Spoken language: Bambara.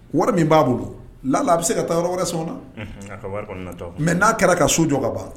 Wari min b'a bolo la a bɛ se ka taa yɔrɔ wɛrɛ sɔnna mɛ n'a kɛra ka so jɔ ka ban